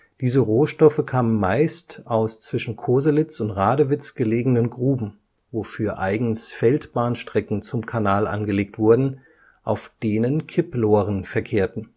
Diese Rohstoffe kamen meist aus zwischen Koselitz und Radewitz gelegenen Gruben, wofür eigens Feldbahnstrecken zum Kanal angelegt wurden, auf denen Kipploren verkehrten